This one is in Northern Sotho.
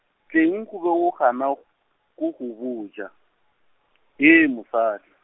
hleng o be o gana, ko go botša , hee mosadi?